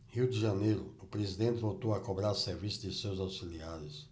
rio de janeiro o presidente voltou a cobrar serviço de seus auxiliares